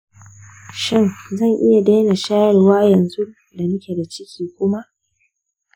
shin zan iya daina shayarwa yanzu da nake da ciki kuma?